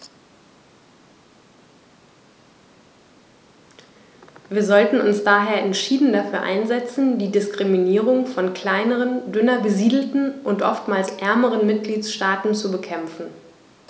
Wir sollten uns daher entschieden dafür einsetzen, die Diskriminierung von kleineren, dünner besiedelten und oftmals ärmeren Mitgliedstaaten zu bekämpfen.